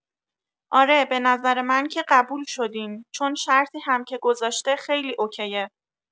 آره به نظر من که قبول شدین چون شرطی هم که گذاشته خیلی اوکیه